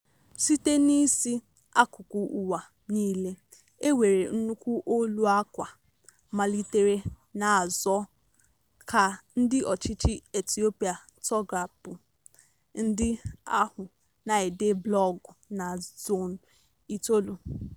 Site n'isi akụkụ ụwa niile, e nwere nnukwu olu ákwá malitere na-azọ ka ndị ọchịchị Ethiopia tọghapụ ndị ahụ na-ede blọọgụ na Zone9.